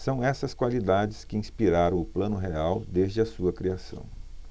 são essas qualidades que inspiraram o plano real desde a sua criação